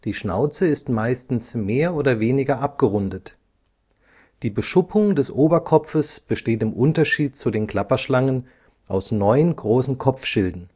Schnauze ist meistens mehr oder weniger abgerundet. Die Beschuppung des Oberkopfes besteht im Unterschied zu den Klapperschlangen aus neun großen Kopfschilden